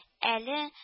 Әле